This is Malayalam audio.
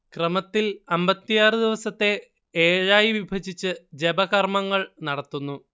ക്രമത്തിൽ അമ്പത്തിയാറു ദിവസത്തെ ഏഴായി വിഭജിച്ച് ജപകർമങ്ങൾ നടത്തുന്നു